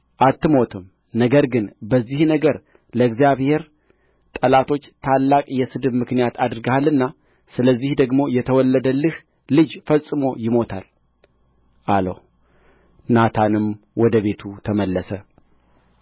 አትሞትም ነገር ግን በዚህ ነገር ለእግዚአብሔር ጠላቶች ታላቅ የስድብ ምክንያት አድርገሃልና ስለዚህ ደግሞ የተወለደልህ ልጅ ፈጽሞ ይሞታል አለው ናታንም ወደ ቤቱ ተመለሰ